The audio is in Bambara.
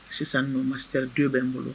Sisan ma sira dɔw bɛ n bolo